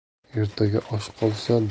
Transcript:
ertaga osh qolsa